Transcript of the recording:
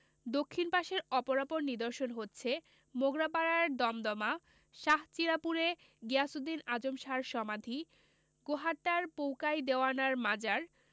দক্ষিণ পাশের অপরাপর নিদর্শন হচ্ছে মোগরাপাড়ায় দমদমা শাহ চিলাপুরে গিয়াসউদ্দীন আজম শাহ র সমাধি গোহাট্টায় পোঁকাই দেওয়ানার মাজার